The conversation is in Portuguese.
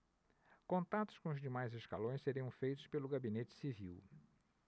contatos com demais escalões seriam feitos pelo gabinete civil